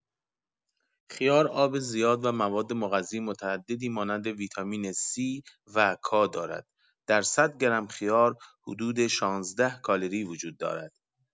خیار آب زیاد و مواد مغذی متعددی مانند ویتامین C و K دارد در ۱۰۰ گرم خیار حدود ۱۶ کالری وجود دارد.